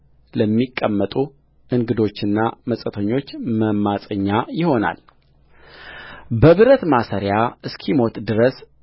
ለሚቀመጡ እንግዶችና መጻተኞች መማፀኛ ይሆናሉበብረት መሣርያ እስኪሞት ድረስ